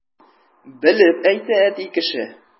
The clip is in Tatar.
Белеп әйтә әти кеше!